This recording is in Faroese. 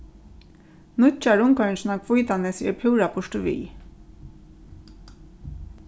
nýggja rundkoyringin á hvítanesi er púra burturvið